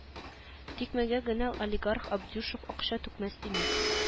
Тикмәгә генә олигарах абдюшев акча түкмәс димәк